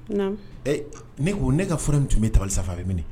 Ne ko ne ka fura min tun bɛ tabali sanfɛ bɛ minɛ